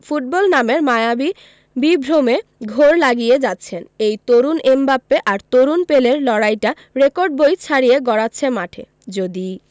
football নামের মায়াবী বিভ্রমে ঘোর লাগিয়ে যাচ্ছেন এই তরুণ এমবাপ্পে আর তরুণ পেলের লড়াইটা রেকর্ড বই ছাড়িয়ে গড়াচ্ছে মাঠে যদি